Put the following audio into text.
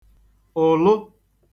ụ̀lụ